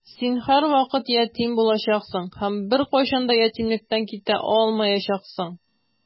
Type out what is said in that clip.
Син һәрвакыт ятим булачаксың һәм беркайчан да ятимлектән китә алмаячаксың.